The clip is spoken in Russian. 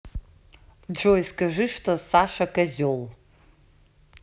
джой скажи что саша козел